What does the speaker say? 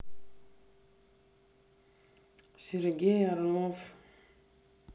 сергей орлов